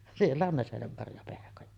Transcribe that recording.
siellä on näsenenmarjapehkoja